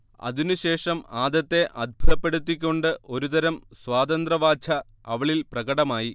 അതിനു ശേഷം ആദത്തെ അത്ഭുതപ്പെടുത്തിക്കൊണ്ട് ഒരു തരം സ്വാതന്ത്രവാച്ഛ അവളിൽ പ്രകടമായി